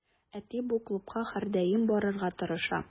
Әти бу клубка һәрдаим барырга тырыша.